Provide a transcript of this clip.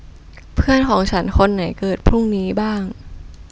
เพื่อนของฉันคนไหนเกิดพรุ่งนี้บ้าง